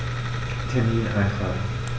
Termin eintragen